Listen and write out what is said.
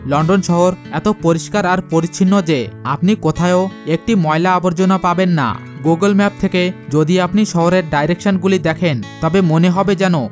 London শহর এত পরিষ্কার পরিচ্ছন্ন যে আপনি কোথাও একটি ময়লা আবর্জনা পাবেন না গুগল ম্যাপ থেকে যদি আপনি শহরে ডাইরেকশন গুলো দেখেন তবে মনে হবে যেন